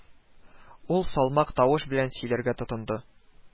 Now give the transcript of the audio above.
Ул салмак тавыш белән сөйләргә тотынды: